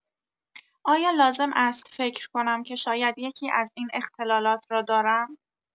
آیا لازم است فکر کنم که شاید یکی‌از این اختلالات را دارم؟